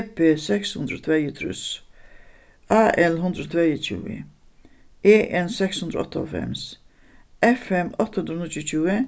b seks hundrað og tveyogtrýss a l hundrað og tveyogtjúgu e n seks hundrað og áttaoghálvfems f m átta hundrað og níggjuogtjúgu